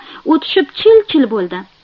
u tushib chil chil bo'ldi